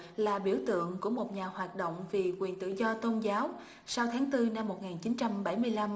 là biểu tượng của một nhà hoạt động vì quyền tự do tôn giáo sau tháng tư năm một nghìn chín trăm bảy mươi lăm